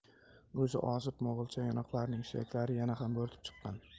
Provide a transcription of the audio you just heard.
o'zi ozib mo'g'ulcha yonoqlarining suyaklari yana ham bo'rtib chiqqan